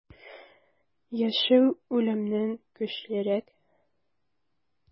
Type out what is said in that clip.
Яшәү үлемнән көчлерәк.